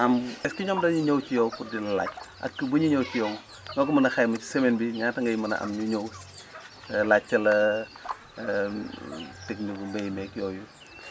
am est ce ñoom dañuy ñëw ci yow pour di la laaj ak bu ñuy ñëw ci yow soo ko mënee xayma si semaine bii ñaata ngaymën a am ñuy ñëw laajte la technique gu maby meeg yooyu